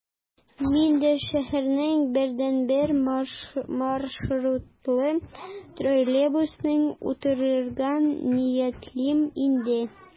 Мин дә шәһәрнең бердәнбер маршрутлы троллейбусына утырырга ниятлим инде...